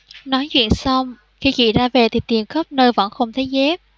nói chuyện xong khi chị ra về thì tìm khắp nơi vẫn không thấy dép